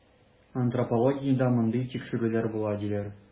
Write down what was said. Антропологиядә мондый тикшерүләр була, диләр.